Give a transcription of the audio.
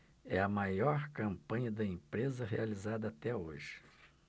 é a maior campanha da empresa realizada até hoje